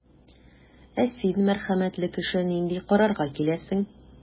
Ә син, мәрхәмәтле кеше, нинди карарга киләсең?